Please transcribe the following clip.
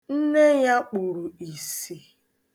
Nne ya kpuru isi